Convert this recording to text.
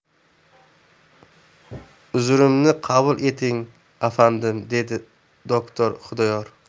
uzrimni qabul eting afandim dedi doktor xudoyor